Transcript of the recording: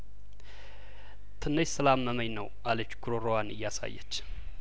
ትንሽ ስላመ መኝ ነው አለች ጉሮሮዋን እየሳለች